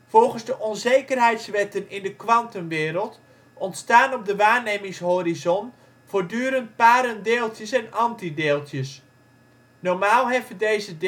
Volgens de onzekerheidswetten in de kwantumwereld ontstaan op de waarnemingshorizon voortdurend paren deeltjes en antideeltjes. Normaal heffen deze